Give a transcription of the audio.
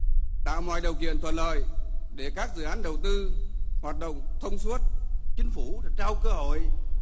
tạo mọi điều kiện thuận lợi để các dự án đầu tư hoạt động thông suốt chính phủ trao cơ hội